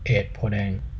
เอดโพธิ์แดง